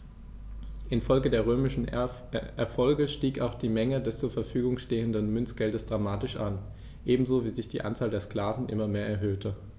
Infolge der römischen Erfolge stieg auch die Menge des zur Verfügung stehenden Münzgeldes dramatisch an, ebenso wie sich die Anzahl der Sklaven immer mehr erhöhte.